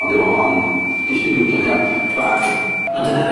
Ond efo hon, distributor cap bach. A dyna fe.